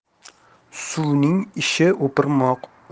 suvning ishi o'pirmoq